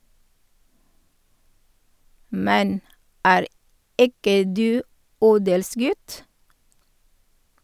- Men er ikke du odelsgutt?